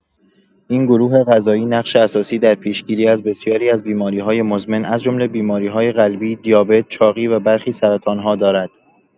این گروه غذایی نقش اساسی در پیشگیری از بسیاری بیماری‌های مزمن از جمله بیماری‌های قلبی، دیابت، چاقی و برخی سرطان‌ها دارد.